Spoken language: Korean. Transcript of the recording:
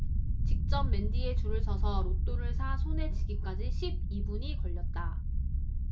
직접 맨 뒤에 줄을 서서 로또를 사 손에 쥐기까지 십 이 분이 걸렸다